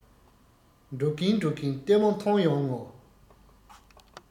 འགྲོ གིན འགྲོ གིན ལྟད མོ མཐོང ཡོང ངོ